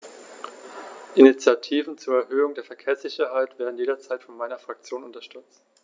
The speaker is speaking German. Initiativen zur Erhöhung der Verkehrssicherheit werden jederzeit von meiner Fraktion unterstützt.